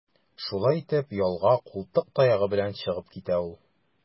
Шулай итеп, ялга култык таягы белән чыгып китә ул.